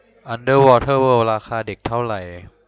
อันเดอร์วอเตอร์เวิล์ดราคาเด็กเท่าไหร่